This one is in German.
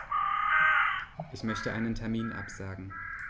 Ich möchte einen Termin absagen.